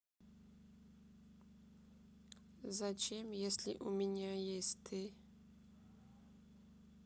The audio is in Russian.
зачем если у меня есть ты